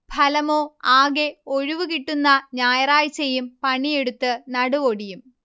ഫലമോ ആകെ ഒഴിവുകിട്ടുന്ന ഞായറാഴ്ചയും പണിയെടുത്ത് നടുവൊടിയും